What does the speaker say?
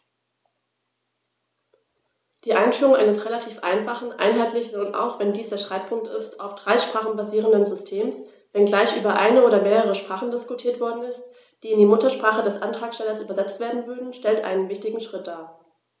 Die Einführung eines relativ einfachen, einheitlichen und - auch wenn dies der Streitpunkt ist - auf drei Sprachen basierenden Systems, wenngleich über eine oder mehrere Sprachen diskutiert worden ist, die in die Muttersprache des Antragstellers übersetzt werden würden, stellt einen wichtigen Schritt dar.